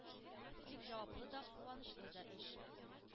– бик җаваплы да, куанычлы да эш.